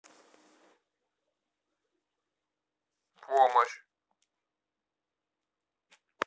помощь